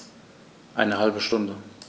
Eine halbe Stunde